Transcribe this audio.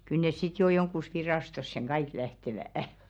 kyllä ne sitten jo johonkin virastoon kaikki lähtevät